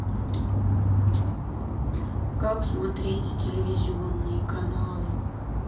как смотреть телевизионные каналы